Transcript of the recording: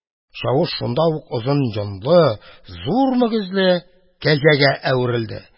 Чавыш шунда ук озын йонлы, зур мөгезле кәҗәгә әверелде.